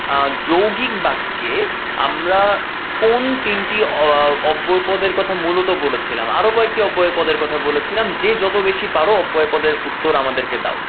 যৌগিক বাক্যে আমরা কোন তিনটি অব্যয় পদের কথা মূলত বলেছিলাম আরো কয়েকটি অব্যয় পদের কথা বলেছিলাম যে যত বেশি পারো অব্যয় পদের উত্তর আমাদেরকে দাও